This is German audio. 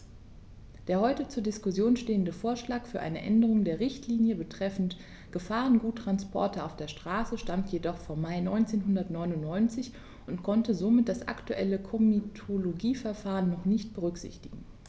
Der heute zur Diskussion stehende Vorschlag für eine Änderung der Richtlinie betreffend Gefahrguttransporte auf der Straße stammt jedoch vom Mai 1999 und konnte somit das aktuelle Komitologieverfahren noch nicht berücksichtigen.